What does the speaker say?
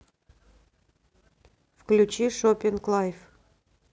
включи шоппинг лайф